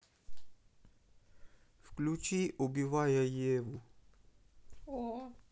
включи убивая еву